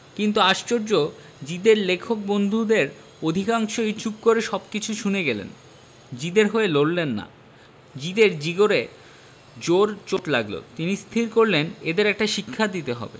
কিন্তু আশ্চর্য জিদে র লেখক বন্ধুদের অধিকাংশই চুপ করে সবকিছু শুনে গেলেন জিদে র হয়ে লড়লেন না জিদে র জিগরে জোর চোট লাগল তিনি স্থির করলেন এদের একটা শিক্ষা দিতে হবে